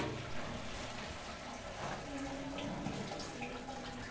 телеканал твц